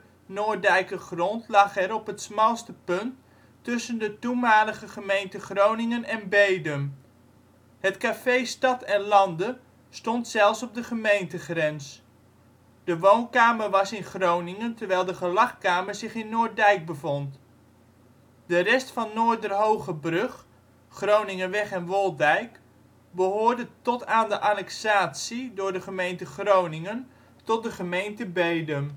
m Noorddijker grond lag er op het smalste punt tussen de toenmalige gemeenten Groningen en Bedum. Het café Stad en Lande stond zelfs op de gemeentegrens. De woonkamer was in Groningen, terwijl de gelagkamer zich in Noorddijk bevond. De rest van Noorderhoogebrug (Groningerweg en Wolddijk) behoorde tot aan de annexatie door de gemeente Groningen tot de gemeente Bedum